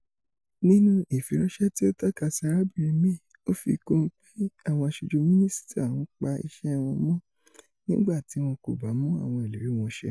Nínú ìfiránṣẹ́ ti o tọ́ka si Arabinrin May, ó fi kun pé: 'Àwọn aṣoju Mínísítà ń pa iṣẹ́ wọn mọ nígbà tí wọ́n kò bá mú àwọn ìlérí wọn ṣẹ.'